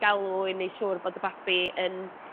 galw i neu' siŵr bod y babi yn